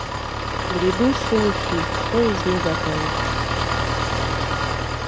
грибы свинухи что из них готовят